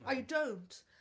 I don't.